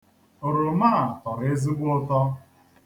Oroma a tọrọ ezigbo ụtọ.